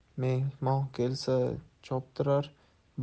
mehmon kelsa choptirar